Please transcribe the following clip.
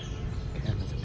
mình sẽ